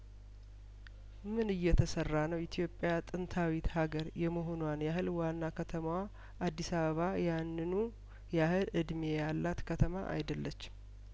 ምን እየተሰራ ነው ኢትዮጵያጥንታዊት አገር የመሆንዋን ያህል ዋና ከተማዋ አዲስ አበባያንኑ ያህል እድሜ ያላት ከተማ አይደለችም